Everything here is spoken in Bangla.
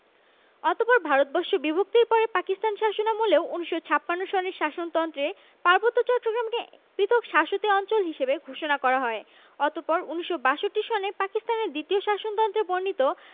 অতপর ভারতবর্ষ বিভক্তির পরে পাকিস্তান শাসনামলেও ১৯৫৬ সনের শাসনন্ত্রে পার্বত্য চট্টগ্রামকে পৃথক শাসতি অঞ্চল হিসেবে ঘোষণা করা হয়্ অতপর ১৯৬২ সনে পাকিস্তানের দ্বিতীয় শাসনতন্ত্রে বর্ণিত